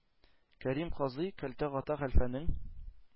Кәрим казый, Кәлтә Гата хәлфәнең